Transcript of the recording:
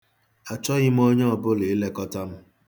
Achọghị m onye ọbụla ilekọta m.